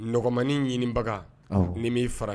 Nɔgɔmaninw ɲinibaga, a&wɔ, n'i m'i fara